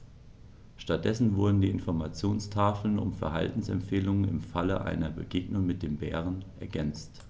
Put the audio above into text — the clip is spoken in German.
Stattdessen wurden die Informationstafeln um Verhaltensempfehlungen im Falle einer Begegnung mit dem Bären ergänzt.